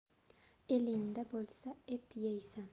elingda bo'lsa et yeysan